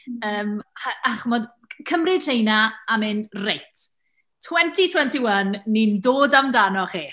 Yym, a a chimod, c- cymryd rheina a mynd, "reit, twenty twenty one ni'n dod amdano chi!"